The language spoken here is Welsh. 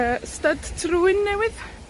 yy, styd trwyn newydd.